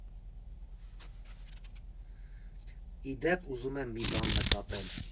Ի դեպ, ուզում եմ մի բան նկատել։